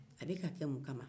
a bɛ ka kɛ mun kama